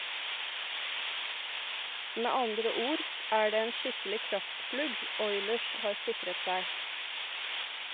Med andre ord er det en skikkelig kraftplugg Oilers har sikret seg.